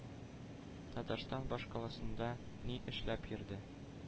Татарстан башкаласында ни эшләп йөрде?